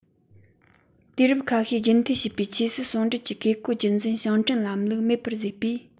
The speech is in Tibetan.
དུས རབས ཁ ཤས རྒྱུན མཐུད བྱས པའི ཆོས སྲིད ཟུང འབྲེལ གྱི བཀས བཀོད རྒྱུད འཛིན ཞིང བྲན ལམ ལུགས མེད པ བཟོས པས